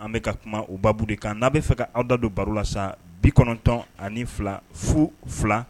An bɛ ka kuma o babu de kan n'a bɛ fɛ ka a'da don baro la sa 9202